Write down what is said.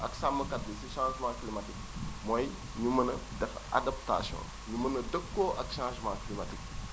ak sàmmkat bi si changement climatique mooy ñu mën a def adaptation ñu mën a dëppoo ak changement climatique